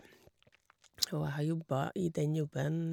Og jeg har jobba i den jobben...